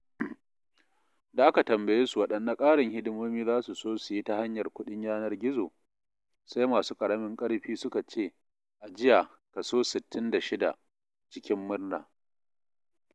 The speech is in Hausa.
Da aka tambaye su waɗanne ƙarin hidimomi za su so su yi ta hanyar kuɗin yanar gizo, sai masu ƙaramin ƙarfi suka ce ajiya (66%) cikin murna.